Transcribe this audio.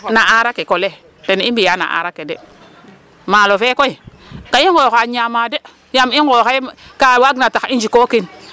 Na aar ake kole ten i mbi'aa na aar ake de, maalo fe koy ka i nqooxaq ñaamaa de yaam i nqoox kaa waagna tax i njikwo kiin .